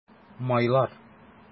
Майлар